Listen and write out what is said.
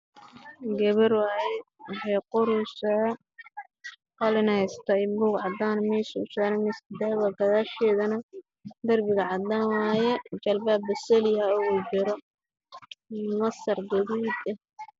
Waa gabar waxa qoraaysa cashar